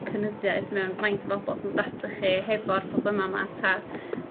cynyddiaeth mewn maint o fobol sy'n do' atoch chi hefo'r problema 'ma ynta'